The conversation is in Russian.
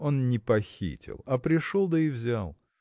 – Он не похитил, а пришел да и взял.